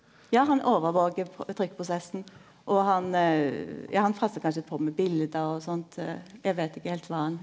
ja han overvaker trykkprosessen og han ja han kanskje på med bilde og sånt eg veit ikkje heilt kva han.